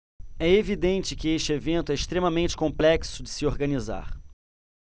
é evidente que este evento é extremamente complexo de se organizar